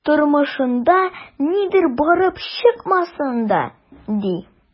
Тормышында нидер барып чыкмасын да, ди...